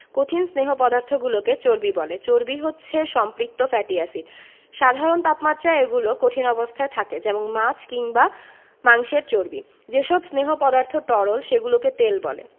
কঠিন স্নেহ পদার্থগুলোকে চর্বি বলে চর্বি হচ্ছে সম্পৃক্ত ফ্যাটি এসিড সাধারণ তাপমাত্রায় এগুলো কঠিন অবস্থায় থাকে যেমন মাছ কিংবা মাংসের চর্বি যেসব স্নেহ পদার্থ তরল সেগুলোকে তেল বলে